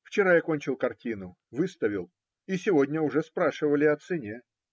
Вчера я кончил картину, выставил, и сегодня уже спрашивали о цене.